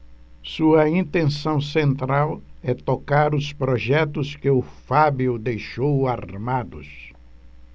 sua intenção central é tocar os projetos que o fábio deixou armados